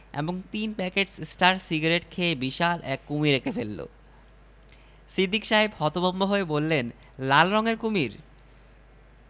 এবং তিন packet star cigarette খেয়ে বিশাল এক কুমীর এঁকে ফেলল সিদ্দিক সাহেব হতভম্ব হয়ে বললেন লাল রঙের কুমীর